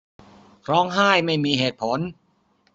ร้องไห้ไม่มีเหตุผล